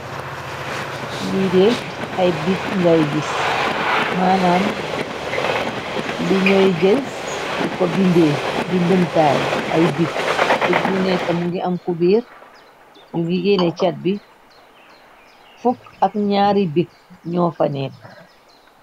liide ay big ngay gis maanaam li ñooy jël di ko binde bi ndëmkaay ay big big bu nekk mungi am ku biir ñu gigeene cat bi fukk ak ñaari bik ñoo fa nekk